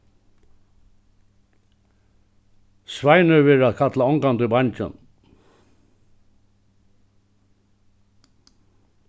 sveinur verður at kalla ongantíð bangin